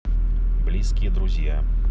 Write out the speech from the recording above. близкие друзья